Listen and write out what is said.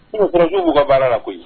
Ka n'u tɔɔrɔ n'u ka baara la koyi